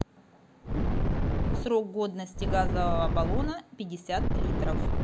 срок годности газового баллона пятьдесят литров